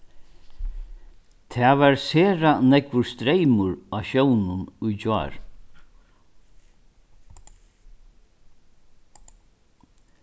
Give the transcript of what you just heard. tað var sera nógvur streymur á sjónum í gjár